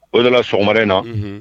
O nana sɔgɔma wɛrɛren in na